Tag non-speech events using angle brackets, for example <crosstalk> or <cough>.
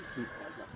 <hesitation> <hesitation>